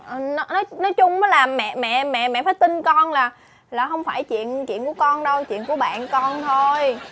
nói nói chung á là mẹ mẹ mẹ mẹ phải tin con là là hông phải chuyện chuyện của con đâu chuyện của bạn con thôi